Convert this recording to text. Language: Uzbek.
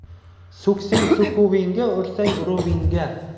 so'ksang so'kuvingda ursang uruvingda